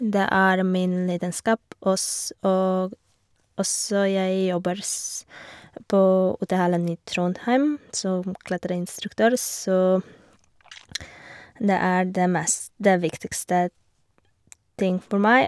Det er min lidenskap, oss og og så jeg jobber s på UteHallen i Trondheim, som klatreinstruktør, så det er det mest det viktigste ting for meg.